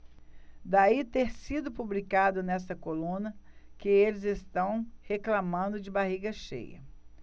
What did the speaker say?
daí ter sido publicado nesta coluna que eles reclamando de barriga cheia